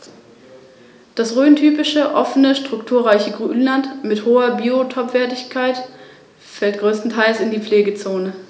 Die Stacheligel haben als wirksame Verteidigungswaffe Stacheln am Rücken und an den Flanken (beim Braunbrustigel sind es etwa sechs- bis achttausend).